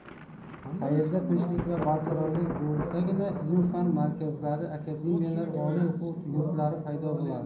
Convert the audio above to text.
qayerda tinchlik va barqarorlik bo'lsagina ilm fan markazlari akademiyalar oliy o'quv yurtlari paydo bo'ladi